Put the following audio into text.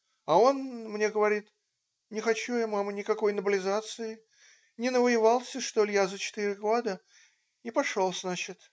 а он мне говорит, не хочу я, мама, никакой наблизации, не навоевался, что ль, я за четыре года. не пошел, значит.